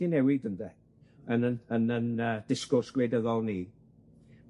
'di newid ynde yn 'yn yn 'yn yy disgwrs gwleidyddol ni.